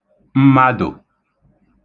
mmadụ̀